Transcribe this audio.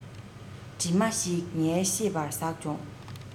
གྲིབ མ ཞིག ངའི ཤེས པར ཟགས བྱུང